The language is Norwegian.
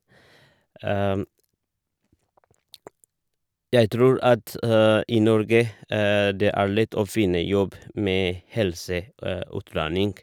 Jeg tror at i Norge det er lett å finne jobb med helseutdanning.